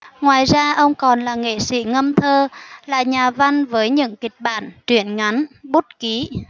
ngoài ra ông còn là nghệ sĩ ngâm thơ là nhà văn với những kịch bản truyện ngắn bút ký